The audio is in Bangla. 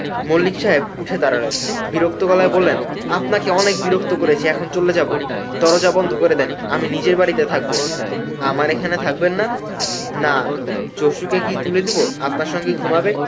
মল্লিক উঠে দাঁড়ালেন বিরক্ত গলায় বললেন আপনাকে অনেক বিরক্ত করেছি এখন চলে যাব দরজা বন্ধ করে দেন আমি নিজের বাড়িতে থাকব আমার এখানে থাকবেন না না জুসুকে কি তুলে দিব আপনার সঙ্গে ঘুমাবে